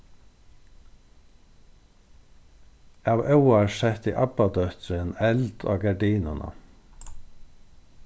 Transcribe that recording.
av óvart setti abbadóttirin eld á gardinuna